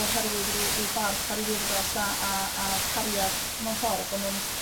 oherwydd ryw ryw barch ar ryw urddas a a cariad mewn ffor' a bo' n'w'n